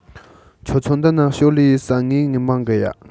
ཁྱོད ཆོ འདི ན ཞོར ལས ཡེད ས ངེས ངེས མང གི ཡ